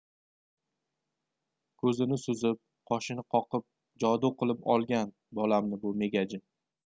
ko'zini suzib qoshini qoqib jodu qilib olgan bolamni bu megajin